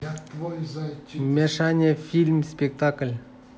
мещане фильм спектакль